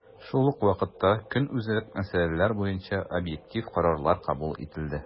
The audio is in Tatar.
Шул ук вакытта, көнүзәк мәсьәләләр буенча объектив карарлар кабул ителде.